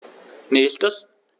Nächstes.